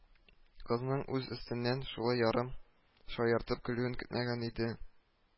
Кызның үз өстеннән шулай ярым шаяртып көлүен көтмәгән иде